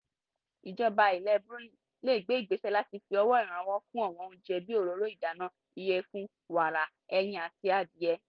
Ìjọba ìlú Brunei lè gbé ìgbésẹ̀ láti fi owó ìrànwọ́ kún àwọn oúnjẹ bíi òróró ìdáná, ìyẹ̀fun, wàrà, ẹyin àti adìẹ.